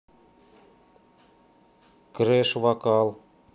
crash вокал